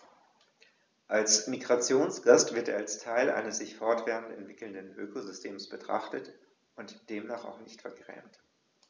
Als Migrationsgast wird er als Teil eines sich fortwährend entwickelnden Ökosystems betrachtet und demnach auch nicht vergrämt.